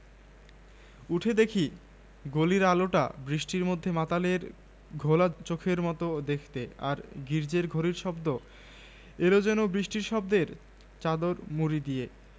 সেই স্মরণ বিস্মরণের অতীত কথা আজ বাদলার কলকণ্ঠে ঐ মেয়েটিকে এসে ডাক দিলে ও তাই সকল বেড়ার বাইরে চলে গিয়ে হারিয়ে গেল